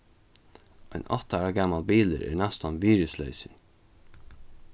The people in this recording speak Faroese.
ein átta ára gamal bilur er næstan virðisleysur